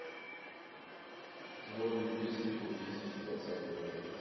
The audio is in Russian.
сборник песен две тысячи двадцатого года